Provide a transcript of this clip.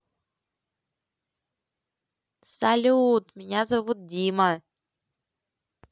салют меня зовут дима